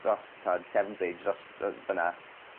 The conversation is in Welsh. dros t'od Sevren bridge drost yy fyn 'na